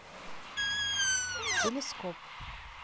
телескоп